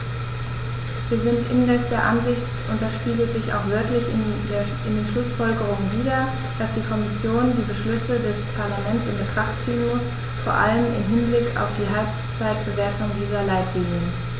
Wir sind indes der Ansicht und das spiegelt sich auch wörtlich in den Schlussfolgerungen wider, dass die Kommission die Beschlüsse dieses Parlaments in Betracht ziehen muss, vor allem im Hinblick auf die Halbzeitbewertung dieser Leitlinien.